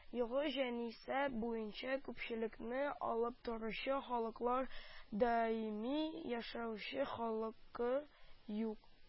Елгы җанисәп буенча күпчелекне алып торучы халыклар: даими яшәүче халкы юк